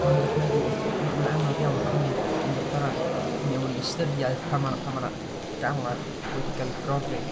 Mond y'ch meddwl wrth... ma' ma'n anodd iawn cymyd unryw beth arall i i i mewn i ystyriaeth pan ma' 'na pan ma' 'na galar wedi cael ei brofi.